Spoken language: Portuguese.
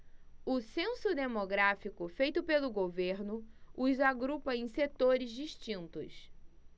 o censo demográfico feito pelo governo os agrupa em setores distintos